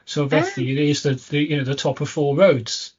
So felly it is the the you know, the top of four roads.